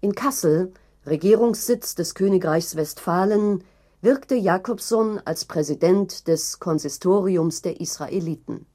Kassel, Regierungssitz des Königreichs Westphalen, wirkte Jacobson als Präsident des Konsistoriums der Israeliten